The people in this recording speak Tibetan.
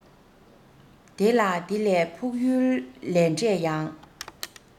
དེ ལ དེ ལས ཕུགས ཡུལ ལས འབྲས ཡང